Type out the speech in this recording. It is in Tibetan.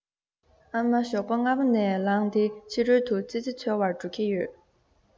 ཨ མ ཞོགས པ སྔ མོ ནས ལངས ཏེ ཕྱི རོལ དུ ཙི ཙི འཚོལ བར འགྲོ གི ཡོད